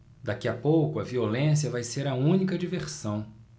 daqui a pouco a violência vai ser a única diversão